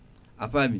a faami